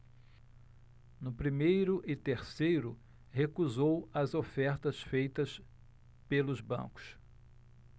no primeiro e terceiro recusou as ofertas feitas pelos bancos